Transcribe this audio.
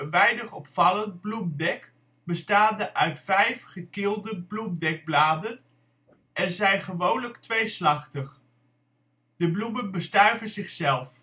weinig opvallend bloemdek, bestaande uit vijf gekielde bloemdekbladen en zijn gewoonlijk tweeslachtig. De bloemen bestuiven zichzelf